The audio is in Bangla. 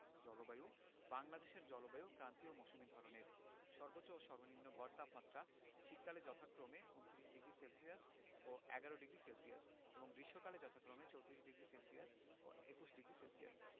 জলবায়ুঃ বাংলাদেশের জলবায়ু ক্রান্তীয় মৌসুমি ধরনের সর্বোচ্চ ও সর্বনিম্ন গড় তাপমাত্রা শীতকালে যথাক্রমে ২৯ ডিগ্রি সেলসিয়াস ও ১১ডিগ্রি সেলসিয়াস এবং গ্রীষ্মকালে যথাক্রমে ৩৪ডিগ্রি সেলসিয়াস ও ২১ডিগ্রি সেলসিয়াস